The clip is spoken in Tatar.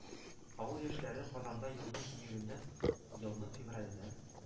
«авыл яшьләре» – казанда елның июленнән елның февраленә